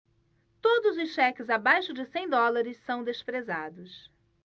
todos os cheques abaixo de cem dólares são desprezados